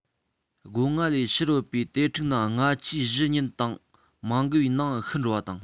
སྒོ ང ལས ཕྱིར བུད པའི དེ ཕྲུག ནང ལྔ ཆའི བཞི ཉིན དང མ འགའི ནང ཤི འགྲོ བ དང